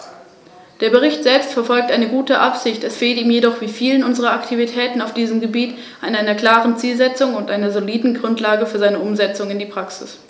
Was den Zeitpunkt betrifft, so ist hier der Bericht während der Behandlung zu umfangreich geraten, wobei Detailfragen und Aspekte aufgenommen wurden, die schon in früheren Berichten enthalten waren.